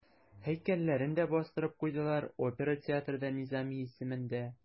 Һәйкәлләрен дә бастырып куйдылар, опера театры да Низами исемендә.